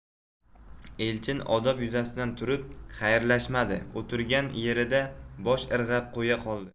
elchin odob yuzasidan turib xayrlashmadi o'tirgan yerida bosh irg'ab qo'ya qoldi